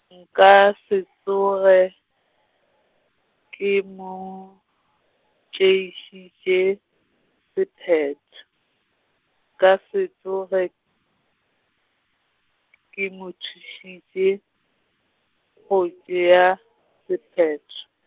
nka se tsoge, ke mo, tšeišitše sephetho, nka se tsoge , ke mothušitše, go tšea sephetho.